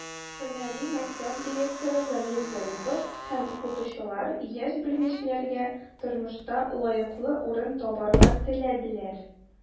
Һөнәри мәктәп директоры Замир Зарипов һәм укытучылар яшь белгечләргә тормышта лаеклы урын табарга теләделәр.